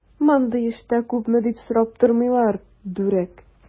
Мондый эштә күпме дип сорап тормыйлар, дүрәк!